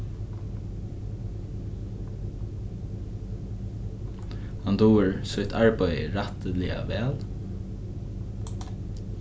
hann dugir sítt arbeiði rættiliga væl